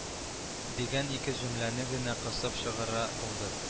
Дигән ике җөмләне генә кысып чыгара алды